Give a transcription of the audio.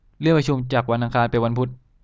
เลื่อนประชุมจากวันอังคารไปวันพุธ